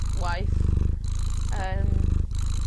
waeth yym.